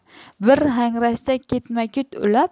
bir hangrashda ketma ket ulab